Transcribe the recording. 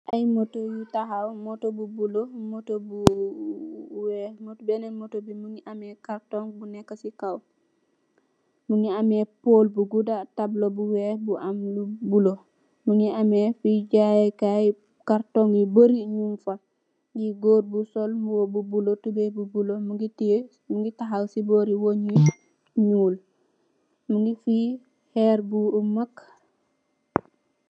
Ay moto yu taxaw moto u bulo moto bu weex beneen moto bi mogi ameh cartoon bu neka si kaw mogi ameh pole bu guda tablu bo weex bo am lu bulo mogi ameh fi jaaye kay carton yu bari nyun fa goor bu sol mbuba bu bulo tubai bu bulo mogi tiyeh mogi taxaw si bori wung yu nuul mogi fi heer bu maag.